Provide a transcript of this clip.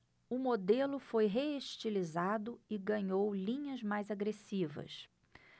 o modelo foi reestilizado e ganhou linhas mais agressivas